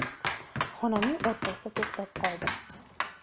xona o'rtasida to'xtab qoldim